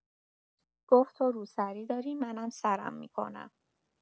گفت تو روسری داری، منم سرم می‌کنم.